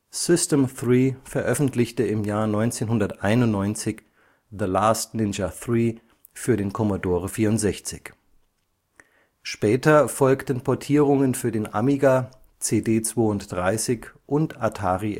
System 3 veröffentlichte im Jahr 1991 „ The Last Ninja III “für den Commodore 64. Später folgten Portierungen für den Amiga, CD³² und Atari